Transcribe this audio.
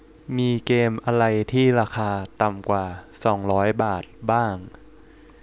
มีเกมอะไรที่ราคาต่ำกว่าสองร้อยบาทบ้าง